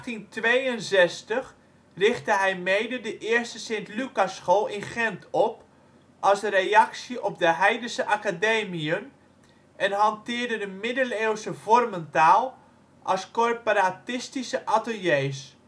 In 1862 richtte hij mede de eerste Sint-Lucasschool in Gent op als reactie op de ' heidense ' Academiën en hanteerde de middeleeuwse vormentaal in corporatistische ateliers